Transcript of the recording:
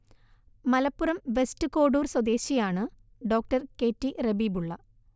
Malappuram west Kodur സ്വദേശിയാണ് ഡോ K T Rabeebulla